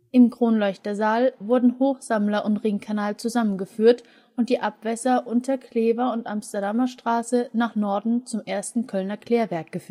Im Kronleuchtersaal wurden Hochsammler und Ringkanal zusammengeführt und die Abwässer unter Clever und Amsterdamer Straße nach Norden zum ersten Kölner Klärwerk